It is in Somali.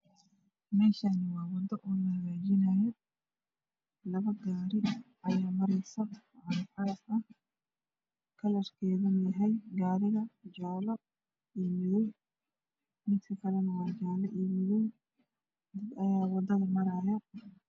Meeshaani waa wado oo la hagaajinaayo labo gaari ayaa marayso cagafcagaf ah kalarkeeduna yahay gaariga jaalo iyo madow midka kale waa jaale iyo madow wadada maraayo